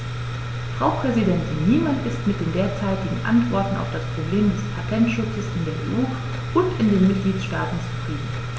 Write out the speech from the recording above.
Frau Präsidentin, niemand ist mit den derzeitigen Antworten auf das Problem des Patentschutzes in der EU und in den Mitgliedstaaten zufrieden.